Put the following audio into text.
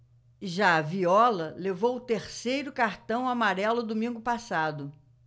já viola levou o terceiro cartão amarelo domingo passado